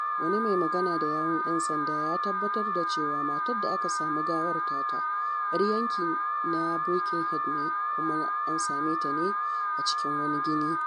Wani mai magana da yawun ‘yan sanda ya tabbatar da cewa matar da aka sami gawar tata ‘yar yankin na Birkenhead ne kuma an same ta ne a cikin wani gini.